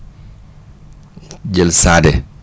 jël saade